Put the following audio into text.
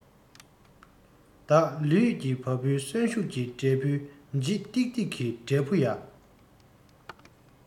བདག ལུས ཀྱི བ སྤུའི གསོན ཤུགས ཀྱི འབྲས བུའི ལྗིད ཏིག ཏིག གི འབྲས བུ ཡ